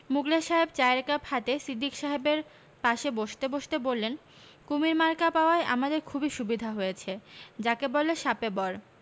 মুখলেস সাহেব চায়ের কাপ হাতে সিদ্দিক সাহেবের পাশে বসতে বসতে বললেন কুমীর মার্কা পাওয়ায় আমাদের খুবই সুবিধা হয়েছে যাকে বলে শাপে বর